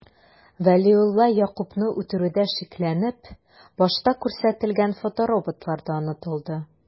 Вәлиулла Ягъкубны үтерүдә шикләнеп, башта күрсәтелгән фотороботлар да онытылды...